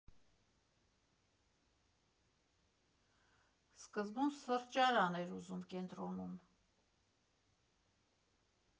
Սկզբում սրճարան էր ուզում կենտրոնում։